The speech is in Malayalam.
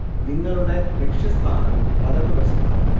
നിങ്ങളുടെ ലക്ഷ്യസ്ഥാനം വലതുവശത്താണ്